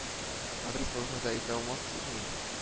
— адресыгызны да әйтә алмассызмы